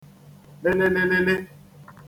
lịlịlịlị